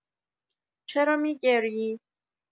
چرا می‌گریی؟